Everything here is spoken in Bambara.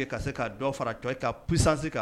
Ka se k kaa dɔn fara to i ka fisasanse kan